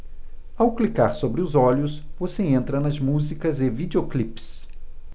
ao clicar sobre os olhos você entra nas músicas e videoclipes